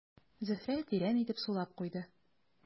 Зөһрә тирән итеп сулап куйды.